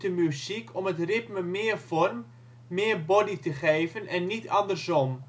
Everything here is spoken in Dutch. muziek om het ritme meer vorm, meer body te geven en niet andersom